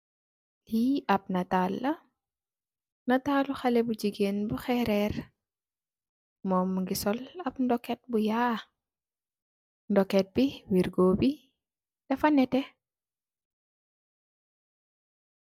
Iii ap netal la netali xale bu jigeen bu herer momm mogi sol ap nduket bu yaa nduket bi wergo bi dafa netex.